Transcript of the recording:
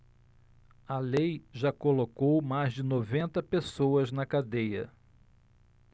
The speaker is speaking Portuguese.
a lei já colocou mais de noventa pessoas na cadeia